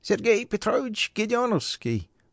-- Сергей Петрович Гедеоновский!